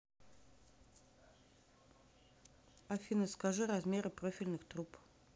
афина скажи размеры профильных труб